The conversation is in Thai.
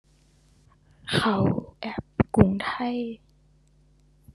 เข้าแอปกรุงไทย